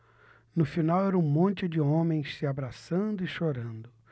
no final era um monte de homens se abraçando e chorando